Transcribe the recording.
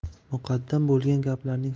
muqaddam bo'lgan gaplarning